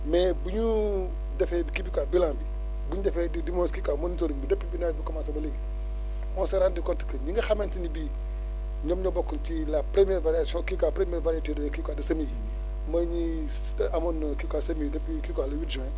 mais bu ñu defee kii bi quoi bialn bi bu ñu defee du moins kii quoi monitoring bi depuis bi nawet bi commencer ba léegi on s' est rendu compte que ñi nga xamante ni bii ñoom ñoo bokk ci la première variation kii quoi la première variété des kii quoi des semis mooy ñi amoon kii quoi semis yi depuis kii quoi le huit juin